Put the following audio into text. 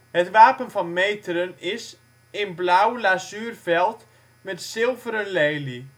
Het wapen van Meteren is " in een blauw (lazuur) veld, een zilveren lelie